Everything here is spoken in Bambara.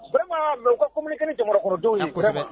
Vraiment mais u ka communiqué ni jamanakɔnɔdenw ye,